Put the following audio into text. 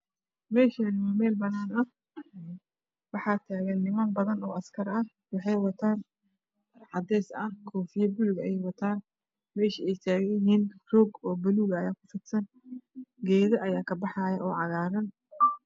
Meeshani waa meel banan ah waxaa taagan niman badan oo askar ah waxay wataan cadays ah koofiyad bulug ah ayay wataan meesha ayay taagan yihiin roogu waa bulug geedo ayaa ka baxaayo oo cagaaran.